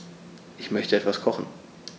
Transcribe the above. Ich möchte etwas kochen.